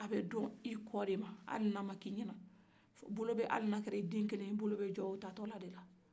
a bɛ don i kɔ de ma hali ni a ma kɛ i ɲɛna hali ni a kɛra i den kelen ye bolo bɛjo o taga tɔla de la